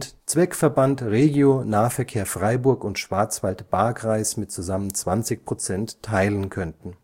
Zweckverband Regio-Nahverkehr Freiburg und Schwarzwald-Baar-Kreis (zusammen 20 %) teilen könnten